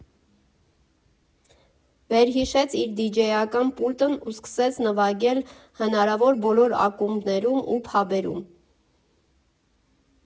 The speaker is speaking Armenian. Վերհիշեց իր դիջեյական պուլտն ու սկսեց նվագել հնարավոր բոլոր ակումբներում ու փաբերում։